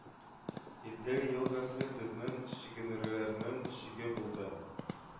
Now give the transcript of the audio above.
Идел елгасы безнең чигенүләрнең чиге булды